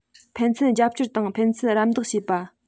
ཕན ཚུན རྒྱབ སྐྱོར དང ཕན ཚུན རམ འདེགས བྱེད པ